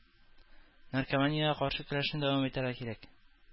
“наркоманиягә каршы көрәшне дәвам итәргә кирәк”